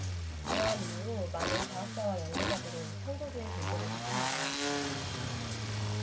그러한 이유로 많은 과학자와 연구가들은 창조주의 존재를 믿습니다